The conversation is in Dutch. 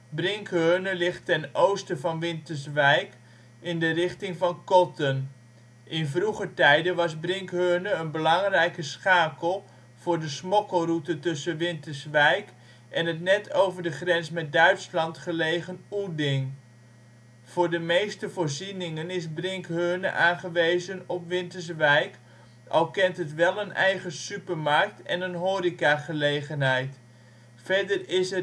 Brinkheurne ligt ten oosten van Winterswijk in de richting van Kotten. In vroeger tijden was Brinkheurne een belangrijke schakel voor de smokkelroute tussen Winterswijk en het net over de grens met Duitsland gelegen Oeding. Voor de meeste voorzieningen is Brinkheurne aangewezen op Winterswijk, al kent het wel een eigen supermarkt en een horecagelegenheid. Verder is